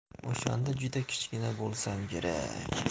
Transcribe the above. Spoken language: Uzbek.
o'shanda juda kichkina bo'lsam kerak